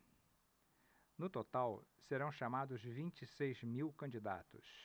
no total serão chamados vinte e seis mil candidatos